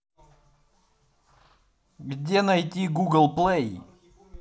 где найти гугл плей